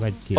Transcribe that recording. fag ke